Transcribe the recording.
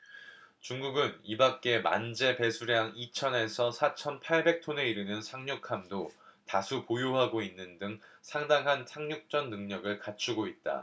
중국은 이밖에 만재배수량 이천 에서 사천 팔백 톤에 이르는 상륙함도 다수 보유하고 있는 등 상당한 상륙전 능력을 갖추고 있다